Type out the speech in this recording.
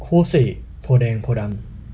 คู่สี่โพธิ์แดงโพธิ์ดำ